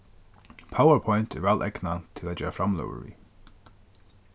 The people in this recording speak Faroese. powerpoint er væl egnað til at gera framløgur við